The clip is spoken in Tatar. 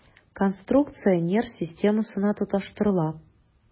Конструкция нерв системасына тоташтырыла.